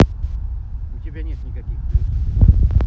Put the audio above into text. у тебя нет никаких плюсов